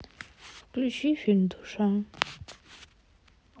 включи фильм душа